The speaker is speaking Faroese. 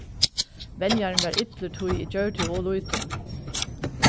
venjarin varð illur tí eg gjørdi ov lítið